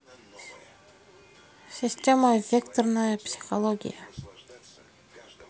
система векторная психология